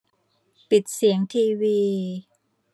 ปิดเสียงทีวี